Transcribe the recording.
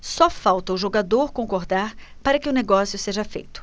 só falta o jogador concordar para que o negócio seja feito